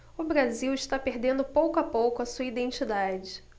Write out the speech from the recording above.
o brasil está perdendo pouco a pouco a sua identidade